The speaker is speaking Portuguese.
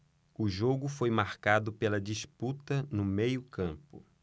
o jogo foi marcado pela disputa no meio campo